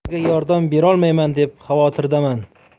sizga yordam berolmayman deb xavotirdaman